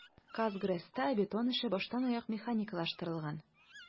"казгрэс"та бетон эше баштанаяк механикалаштырылган.